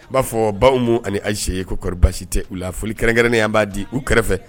I b'a fɔ baw ani ayisee ye koɔri basi tɛ u la foli kɛrɛnnen y' b'a di u kɛrɛfɛ